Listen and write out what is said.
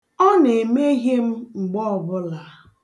Ọ na-emehie m mgbe ọbụla.